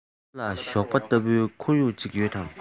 ང ཚོ ལ ཞོགས པ ལྟ བུའི ཁོར ཡུག ཅིག ཡོད དམ